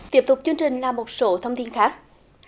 tiếp tục chương trình là một số thông tin khác